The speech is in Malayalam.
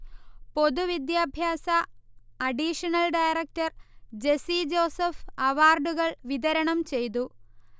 പൊതുവിദ്യാഭ്യാസ അഡീഷണൽ ഡയറക്ടർ ജെസ്സി ജോസഫ് അവാർഡുകൾ വിതരണം ചെയ്തു